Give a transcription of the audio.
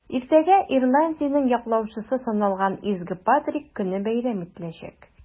Иртәгә Ирландиянең яклаучысы саналган Изге Патрик көне бәйрәм ителәчәк.